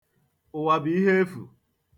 Uwa bu ihe efu.